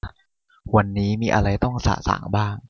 วันนี้มีอะไรต้องสะสางบ้าง